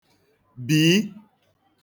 bìi